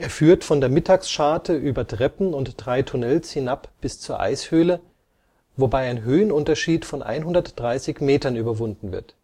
führt von der Mittagscharte über Treppen und drei Tunnels hinab zur Eishöhle, wobei ein Höhenunterschied von 130 Metern überwunden wird